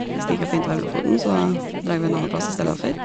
Hvis det ikke er fint vær i Lofoten, så dræg vi en anna plass i stella for.